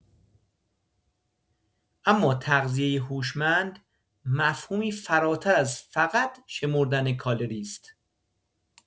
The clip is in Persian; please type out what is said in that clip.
اما تغذیه هوشمند مفهومی فراتر از فقط شمردن کالری است.